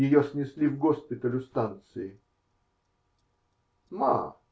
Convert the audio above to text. Ее снесли в госпиталь у станции. -- Ма!